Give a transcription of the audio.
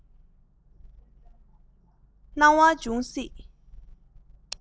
སྣང བ འབྱུང སྲིད